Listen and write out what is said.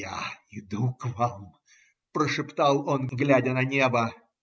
- Я иду к вам, - прошептал он, глядя на небо.